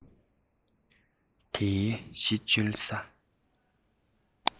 དེའི གཞི བཅོལ ས